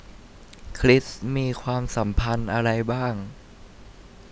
คริสมีความสัมพันธ์อะไรบ้าง